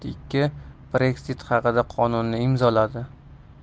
ii brekzit haqidagi qonunni imzoladi